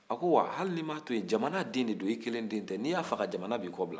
u ko hali n'i m'a to yen jamana den de don i kelen den tɛ n'i y'a faga jamana b'i kɔbila